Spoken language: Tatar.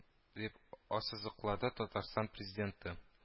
- дип ассызыклады татарстан президенты